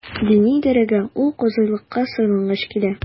Дини идарәгә ул казыйлыкка сайлангач килә.